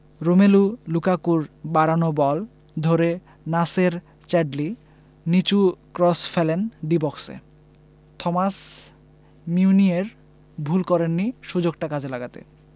Romelu লুকাকুর বাড়ানো বল ধরে নাসের চ্যাডলি নিচু ক্রস ফেলেন ডি বক্সে থমাস মিউনিয়ের ভুল করেননি সুযোগটা কাজে লাগাতে